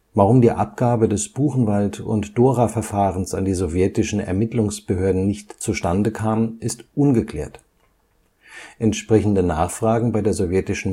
Warum die Abgabe des Buchenwald - und Dora-Verfahrens an die sowjetischen Ermittlungsbehörden nicht zustande kam, ist ungeklärt. Entsprechende Nachfragen bei der sowjetischen Militäradministration